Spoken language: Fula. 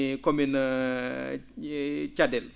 e commune Cadel